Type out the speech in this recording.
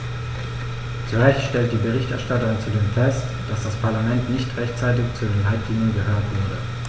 Zu Recht stellt die Berichterstatterin zudem fest, dass das Parlament nicht rechtzeitig zu den Leitlinien gehört wurde.